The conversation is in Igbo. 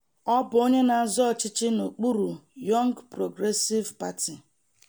Ọ bụ onye na-azọ ọchịchị n'okpuru Young Progressive Party.